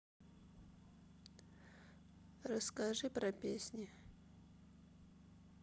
расскажи про песни